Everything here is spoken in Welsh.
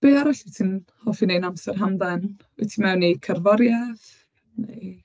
Be arall wyt ti'n hoffi wneud yn amser hamdden? Wyt ti mewn i cerddoriaeth neu...?